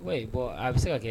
Bɔn a bɛ se ka kɛ